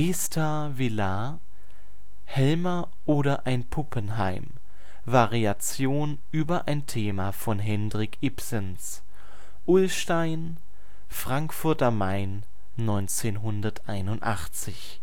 Esther Vilar: Helmer oder Ein Puppenheim. Variation über ein Thema von Henrik Ibsens. Ullstein, Frankfurt am Main 1981